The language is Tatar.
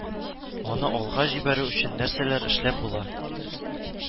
Аны алга җибәрү өчен нәрсәләр эшләп була